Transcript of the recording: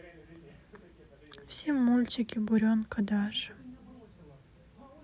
все мультики буренка даша